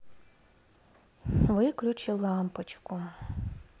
выключи лампочку